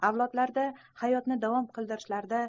avlodlarga hayotni davom qildirishda